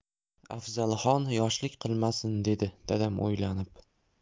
afzalxon yoshlik qilmasin dedi dadam o'ylanib